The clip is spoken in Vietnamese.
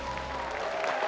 trí